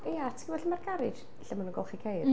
Ia, ti'n gwybod lle mae'r garej lle maen nhw'n golchi ceir?